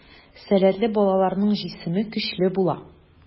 Сәләтле балаларның җисеме көчле була.